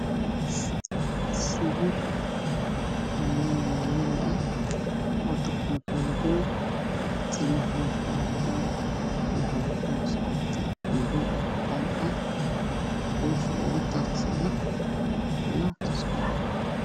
Sawir oo nin waayeel